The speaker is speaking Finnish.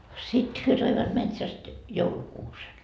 sitten he toivat metsästä joulukuusen